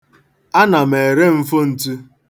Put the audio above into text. Ana m ere mfontu.